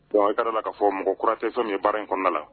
Bon an kɛra la ka fɔ mɔgɔ kura tɛ fɛn ye baara in kɔnda la